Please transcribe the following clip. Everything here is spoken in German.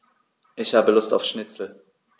Ich habe Lust auf Schnitzel.